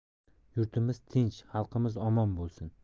yurtimiz tinch xalqimiz omon bo'lsin